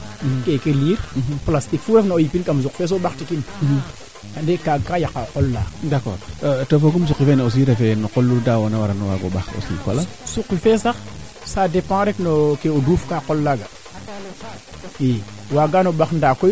ñakano wala te ref le contraire bo ana taxa aussi den fa qoox den ngotooge we ando naye ten ref ref joor le rek a mbiyo teen ndiing den wala de ngotoyo ndaq le rek a mbiya mbiya den ndiing den mais a mbiyooga choix ndik ke duuf mene no joor le duuf meeke no ndaq le ndax boo ndiiki ana jegaa